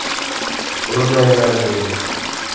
urmayman dedim